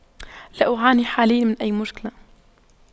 لا اعاني حاليا من أي مشكلة